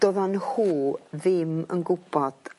Doddan nhw ddim yn gwbod